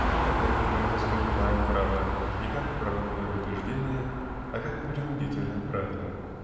Тут опять мы воспринимаем право не как правовое убеждение а как принудительное правило.